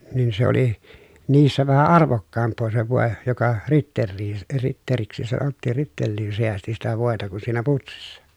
niin se oli niissä vähän arvokkaampaa se voi joka ritteliin ritteliksi sanottiin ritteliin säästi sitä voita kuin siinä putsissa